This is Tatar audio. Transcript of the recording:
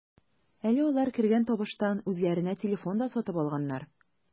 Әле алар кергән табыштан үзләренә телефон да сатып алганнар.